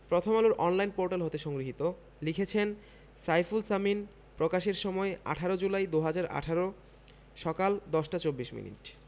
প্রথম আলোর online portal হতে সংগৃহীত লিখেছেন সাইফুল সামিন প্রকাশের সময় ১৮ জুলাই ২০১৮ সকাল ১০টা ২৪ মিনিট